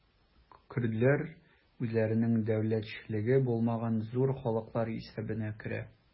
Көрдләр үзләренең дәүләтчелеге булмаган зур халыклар исәбенә керә.